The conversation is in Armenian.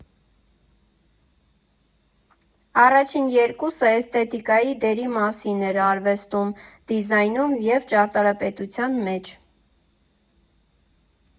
Առաջին երկուսը էսթետիկայի դերի մասին էր արվեստում, դիզայնում և ճարտարապետության մեջ։